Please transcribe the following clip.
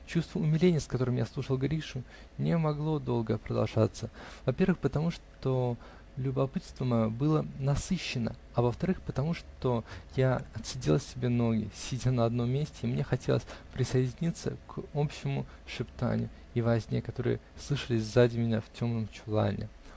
Чувство умиления, с которым я слушал Гришу, не могло долго продолжаться, во-первых потому, что любопытство мое было насыщено, а во-вторых потому, что я отсидел себе ноги, сидя на одном месте, и мне хотелось присоединиться к общему шептанью и возне, которые слышались сзади меня в темном чулане.